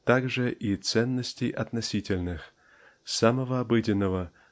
-- также и ценностей относительных -- самого обыденного